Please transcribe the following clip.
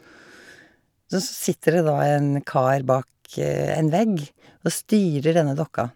Så s sitter det da en kar bak en vegg og styrer denne dokka.